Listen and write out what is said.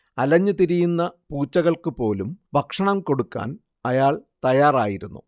അലഞ്ഞ് തിരിയുന്ന പൂച്ചകൾക്ക് പോലും ഭക്ഷണം കൊടുക്കാൻ അയാള്‍ തയ്യാറായിരുന്നു